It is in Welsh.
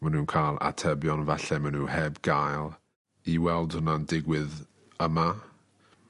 ma' nw'n ca'l atebion falle ma' n'w heb gael i weld hwnna'n digwydd yma